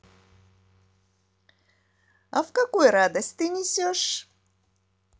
а в какой радость ты несешь